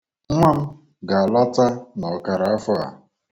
Nwa m ga-alọta n'ọkaraafọ a.